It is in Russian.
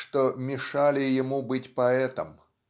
что мешали ему быть поэтом.